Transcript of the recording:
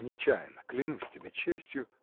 — Нечаянно, клянусь тебе честью.